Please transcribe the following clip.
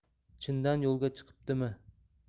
chindan yo'lga chiqibdimi